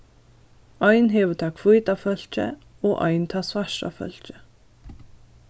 ein hevur tað hvíta fólkið og ein tað svarta fólkið